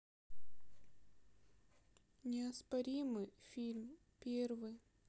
неоспоримый фильм первый